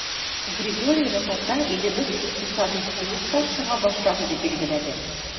Григорий Рапота, илебез икътисады кризистан чыга башлады, дип билгеләде.